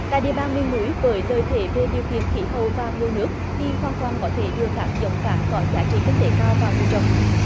tại địa bàn miền núi với lợi thế về điều kiện khí hậu và nguồn nước thì hoàn toàn có thể đưa các giống cá có giá trị kinh tế cao vào nuôi trồng